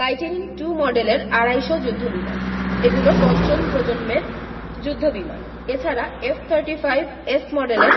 lightning two মডেলের আড়াই শ যুদ্ধবিমান এগুলো পঞ্চম প্রজন্মের যুদ্ধবিমান এ ছাড়া এফ থার্টি ফাইভ এস মডেলের